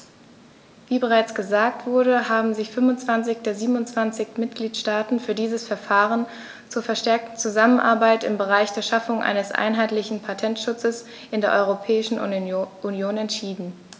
Wie bereits gesagt wurde, haben sich 25 der 27 Mitgliedstaaten für dieses Verfahren zur verstärkten Zusammenarbeit im Bereich der Schaffung eines einheitlichen Patentschutzes in der Europäischen Union entschieden.